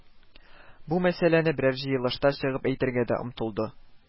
Бу мәсьәләне берәр җыелышта чыгып әйтергә дә омтылды